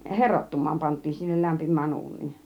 heroittumaan pantiin sinne lämpimään uuniin